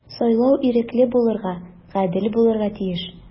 Сайлау ирекле булырга, гадел булырга тиеш.